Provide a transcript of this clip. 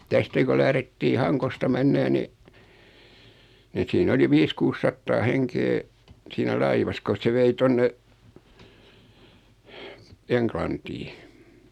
tästä kun lähdettiin Hangosta menemään niin niin siinä oli viisi kuusi sataa henkeä siinä laivassa kun se vei tuonne Englantiin